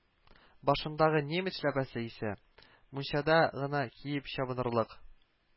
Башындагы немец эшләпәсе исә мунчада гына киеп чабынырлык